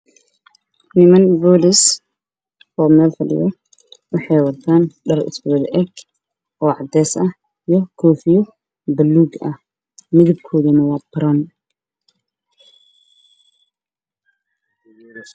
Niman boolis oo meel fadhiyo